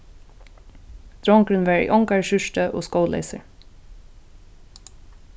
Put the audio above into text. drongurin var í ongari skjúrtu og skóleysur